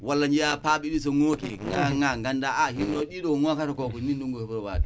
wala